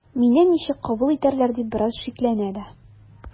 “мине ничек кабул итәрләр” дип бераз шикләнә дә.